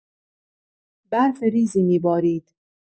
برف ریزی می‌بارید.